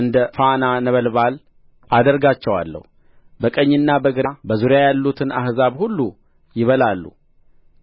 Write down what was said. እንደ ፋና ነበልባል አደርጋቸዋለሁ በቀኝና በግራ በዙሪያ ያሉትን አሕዛብ ሁሉ ይበላሉ